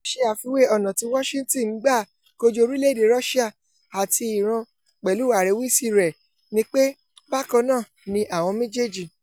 Ó ṣe àfiwé ọ̀nà tí Washington ń gbà kojú orílẹ̀èdè Russia àti Iran pẹ̀lú àríwísí rẹ̀ ni pé bákan náà ni àwọn méjèèjì.